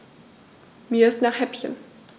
Mir ist nach Häppchen.